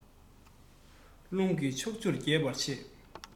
རླུང གིས ཕྱོགས བཅུར རྒྱས པར བྱེད